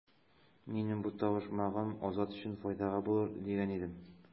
Минем бу табышмагым Азат өчен файдага булыр дигән идем.